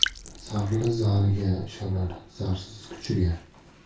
zarli zariga ishonar zarsiz kuchiga